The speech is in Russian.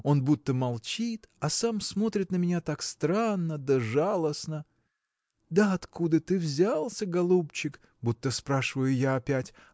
Он будто молчит, а сам смотрит на меня так странно да жалостно. Да откуда ты взялся, голубчик? – будто спрашиваю я опять.